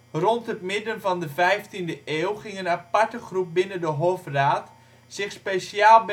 Rond het midden van de 15e eeuw ging een aparte groep binnen de hofraad zich speciaal